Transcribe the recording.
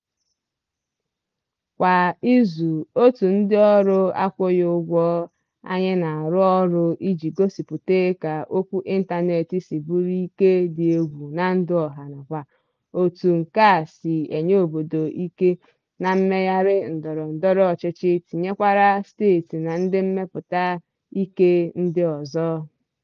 Kwa izu, òtù ndịọrụ akwụghị ụgwọ anyị na-arụ ọrụ iji gosịpụta ka okwu ịntaneetị si bụrụ ike dị egwu na ndụ ọha nakwa otu nke a si enye obodo ike na mmegharị ndọrọndọrọ ọchịchị tinyekwara steeti na ndị mmepụta ike ndị ọzọ.